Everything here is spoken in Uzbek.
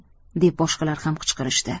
deb boshqalar ham qichqirishdi